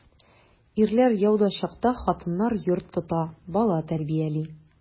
Ирләр яуда чакта хатыннар йорт тота, бала тәрбияли.